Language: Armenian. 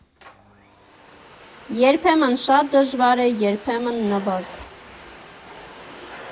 Երբեմն շատ դժվար է, երբեմն՝ նվազ։